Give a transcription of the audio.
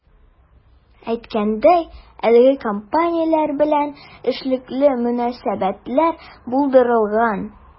Әйткәндәй, әлеге компанияләр белән эшлекле мөнәсәбәтләр булдырылган.